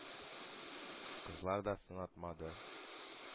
Кызлар да сынатмады,